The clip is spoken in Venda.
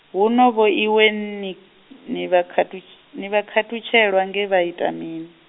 hu no vho iwe ni, ni vhakhathutsh-, ni vha khathutshelwa nge vha ita mini.